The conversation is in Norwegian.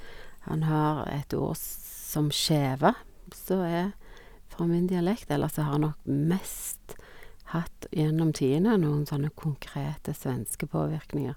Han har et ord som skeva b som er fra min dialekt, eller så har han nok mest hatt gjennom tidene noen sånne konkrete svenske påvirkninger.